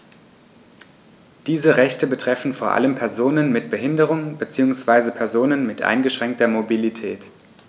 Diese Rechte betreffen vor allem Personen mit Behinderung beziehungsweise Personen mit eingeschränkter Mobilität.